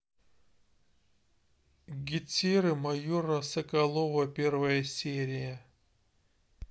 гетеры майора соколова первая серия